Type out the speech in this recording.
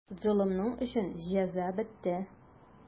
Золымың өчен җәза бетте.